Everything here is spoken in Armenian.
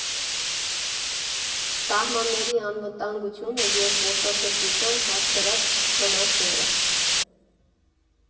Սահմանների անվտանգությունը և զբոսաշրջությանը հասցրած վնասները։